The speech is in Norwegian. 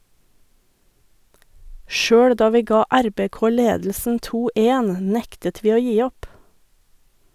- Sjøl da vi ga RBK ledelsen 2-1, nektet vi å gi opp.